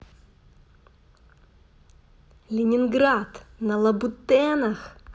ленинград на лабутенах